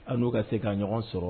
An n'u ka se k ka' ɲɔgɔn sɔrɔ